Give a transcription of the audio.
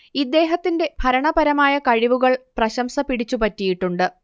ഇദ്ദേഹത്തിന്റെ ഭരണപരമായ കഴിവുകൾ പ്രശംസ പിടിച്ചുപറ്റിയിട്ടുണ്ട്